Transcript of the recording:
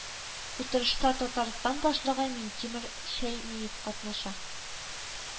Утырышта Татарстан башлыгы Минтимер Шәймиев катнаша